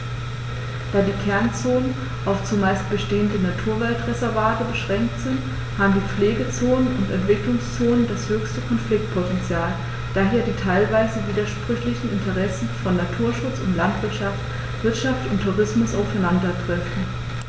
Da die Kernzonen auf – zumeist bestehende – Naturwaldreservate beschränkt sind, haben die Pflegezonen und Entwicklungszonen das höchste Konfliktpotential, da hier die teilweise widersprüchlichen Interessen von Naturschutz und Landwirtschaft, Wirtschaft und Tourismus aufeinandertreffen.